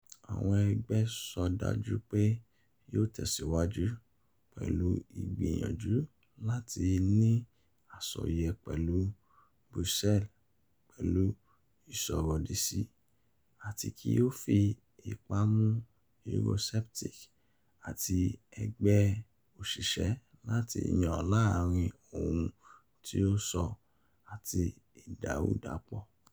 Àwọn ẹgbẹ́ sọ dájú pé yóò tẹ̀síwájú pẹ̀lú ìgbìyànjú láti ní àsọyé pẹ̀lú Brussels pẹ̀lu isọrọdisi - ati ki o fi ipa mu Eurosceptics ati Ẹgbẹ oṣiṣẹ lati yan laarin ohun ti o sọ ati 'Idarudapọ'